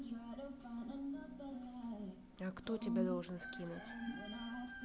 а кто тебя должен скинуть